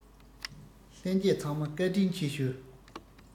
ལྷན རྒྱས ཚང མ བཀའ དྲིན ཆེ ཞུ